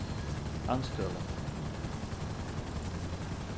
andstøða